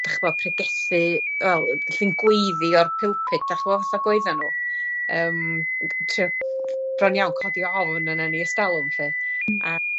dych ch'mo' pregethu wel yn wrthi'n gweiddi o'r pulpit dach ch'mo' fath ag oedden nw yym g- trio bron iawn codio ofn arnon ni e's dalwm 'lly hmm a